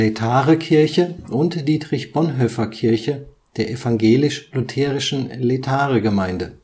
Lätarekirche und Dietrich-Bonhoeffer-Kirche der evangelisch-lutherischen Lätare-Gemeinde